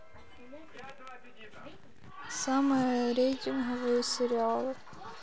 самые рейтинговые сериалы